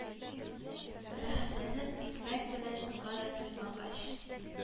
Рәхәтләнеп икмәк белән суга да туймагач,